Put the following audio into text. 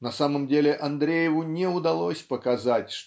На самом деле Андрееву не удалось показать